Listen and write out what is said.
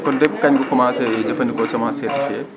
kon depuis kañ nga commencé di jëfandikoo semence certifiée